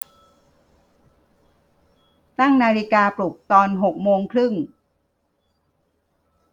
ตั้งนาฬิกาปลุกตอนหกโมงครึ่ง